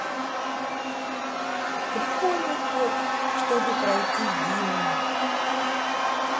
прикольный код чтобы пройти гимн